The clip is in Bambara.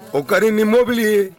O ka di ni mobili ye